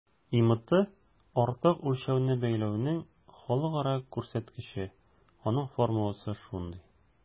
ИМТ - артык үлчәүне бәяләүнең халыкара күрсәткече, аның формуласы шундый: